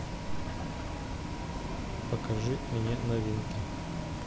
покажи мне новинки